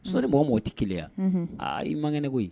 So ni mɔgɔ mɔgɔ tɛ kelenya aa i mang ne koyi